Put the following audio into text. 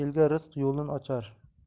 elga rizq yo'lin ochar